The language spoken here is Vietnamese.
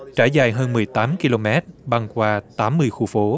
trải dài hơn mười tám ki lô mét băng qua tám mươi khu phố